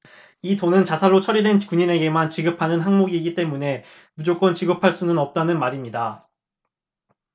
이 돈은 자살로 처리된 군인에게만 지급하는 항목이기 때문에 무조건 지급할 수 없다는 말입니다